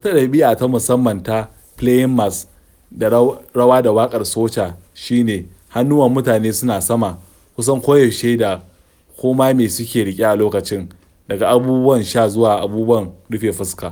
Wata ɗabi'a ta musamman ta "playing mas" da rawa ta waƙar soca shi ne, hannuwan mutane suna sama, kusan koyaushe da ko ma me suke riƙe a lokacin, daga abubuwan sha zuwa abubuwan rufe fuska.